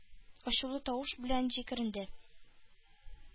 Ачулы тавыш белән җикеренде: -